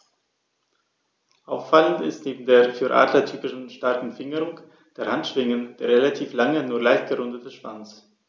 Auffallend ist neben der für Adler typischen starken Fingerung der Handschwingen der relativ lange, nur leicht gerundete Schwanz.